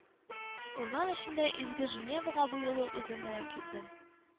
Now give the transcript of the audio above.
Урман эчендә Изге Женевага бу юлы үзем генә килдем